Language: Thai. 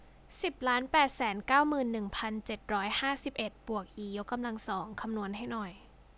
สิบล้านแปดแสนเก้าหมื่นหนึ่งพันเจ็ดร้อยห้าสิบเอ็ดบวกอียกกำลังสองคำนวณให้หน่อย